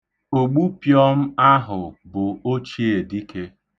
Ogbupịọm ahụ bụ ochiedike.